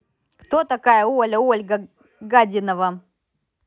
кто такая оля ольга гаденова